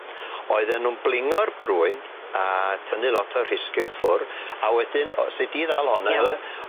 Oedden nw'n blingo'r brwyn a tynnu lot o rhysgyl ffwr' a wedyn o- se di ddal onno fe. Ie.